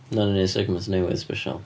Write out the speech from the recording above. Wnawn ni'n wneud segment newydd sbesial.